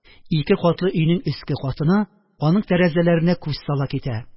Ике катлы өйнең өске катына, аның тәрәзәләренә күз сала китә